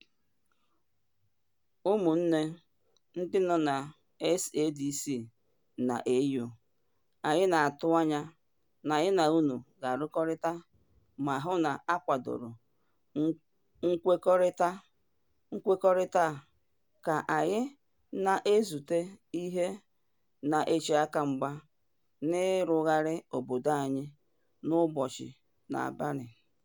Ụmụnne ndị nọ na SADC na AU, anyị na-atụanya na anyị na unu ga-arụkọrịta ma hụ na a kwadoro nkwekọrịta a ka anyị na-ezute ihe na-eche akamgba n’ịrụgharị obodo anyị n’ụbọchị na-abịanụ.